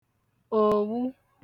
òwu